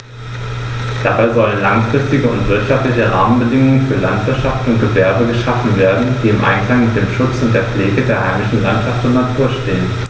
Dabei sollen langfristige und wirtschaftliche Rahmenbedingungen für Landwirtschaft und Gewerbe geschaffen werden, die im Einklang mit dem Schutz und der Pflege der heimischen Landschaft und Natur stehen.